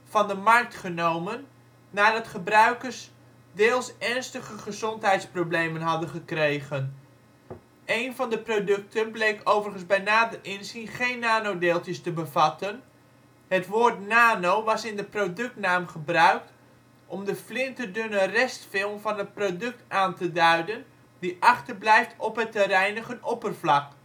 van de markt genomen nadat gebruikers deels ernstige gezondheidsproblemen hadden gekregen. Een van de producten bleek overigens bij nader inzien geen nanodeeltjes te bevatten, het woord nano was in de productnaam gebruikt om de flinterdunne restfilm van het product aan te duiden die achterblijft op het te reinigen oppervlak